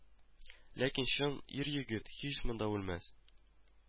Ләкин чын ир-егет һич монда үлмәс